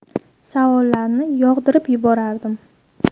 savollarni yog'dirib yuborardim